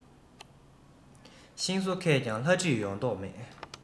ཤིང བཟོ མཁས ཀྱང ལྷ བྲིས ཡོང མདོག མེད